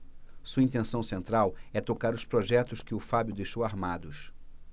sua intenção central é tocar os projetos que o fábio deixou armados